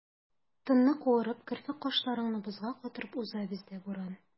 Тынны куырып, керфек-кашларыңны бозга катырып уза бездә буран.